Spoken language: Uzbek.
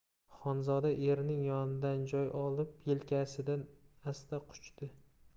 xonzoda erining yonidan joy olib yelkasidan asta quchdi